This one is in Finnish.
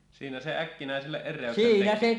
siinä se äkkinäiselle erehdyksen tekee